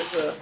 c' est ça